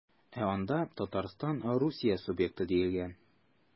Ә анда Татарстан Русия субъекты диелгән.